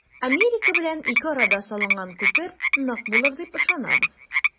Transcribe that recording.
Америка белән ике арада салынган күпер нык булыр дип ышанабыз.